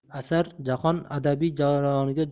asar jahon adabiy jarayoniga